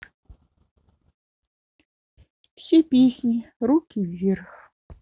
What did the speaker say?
все песни руки вверх